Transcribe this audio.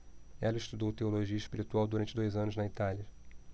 ela estudou teologia espiritual durante dois anos na itália